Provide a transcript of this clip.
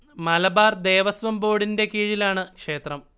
മലബാർ ദേവസ്വം ബോർഡിന്റെ കീഴിലാണ് ക്ഷേത്രം